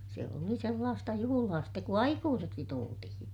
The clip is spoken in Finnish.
se oli sellaista juhlaa sitten kun aikuiseksi tultiin